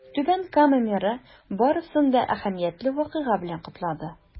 Түбән Кама мэры барысын да әһәмиятле вакыйга белән котлады.